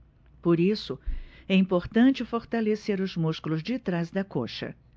por isso é importante fortalecer os músculos de trás da coxa